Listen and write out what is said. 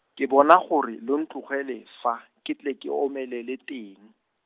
ke bona gore, lo ntlogele fa, ke tle ke omelele teng.